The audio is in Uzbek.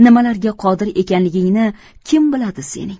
nimalarga qodir ekanligingni kim biladi sening